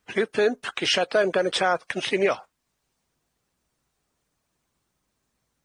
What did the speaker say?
Rhif pump, ceisiadau am ganietâd cynllunio.